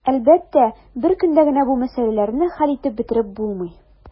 Әлбәттә, бер көндә генә бу мәсьәләләрне хәл итеп бетереп булмый.